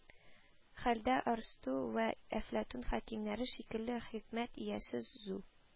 Хәлдә арсту вә әфләтүн хәкимнәр шикелле хикмәт иясе зу